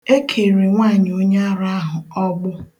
E kere nwanyị onyeara ahụ ọgbụ